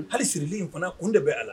Halisirili in fana kun de bɛ a la